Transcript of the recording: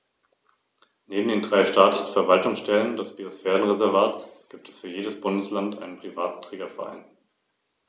Der Schwanz ist weiß und zeigt eine scharf abgesetzte, breite schwarze Endbinde.